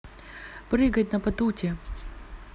прыгать на батуте